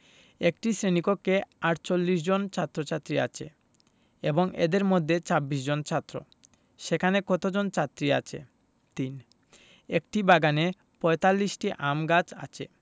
একটি শ্রেণি কক্ষে ৪৮ জন ছাত্ৰ-ছাত্ৰী আছে এবং এদের মধ্যে ২৬ জন ছাত্র সেখানে কতজন ছাত্রী আছে ৩ একটি বাগানে ৪৫টি আম গাছ আছে